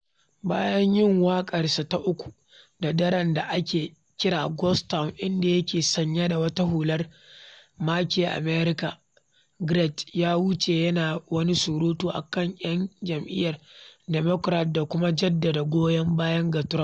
Bayan yin waƙarsa ta uku da daren, da ake kira Ghost Town inda yake sanye da wata hular Make America Great, ya wuce yana wani surutu a kan 'yan jam'iyyar Democrat da kuma jaddada goyon bayansa ga Trump.